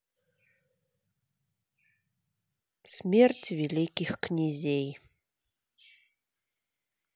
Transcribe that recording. смерть великих князей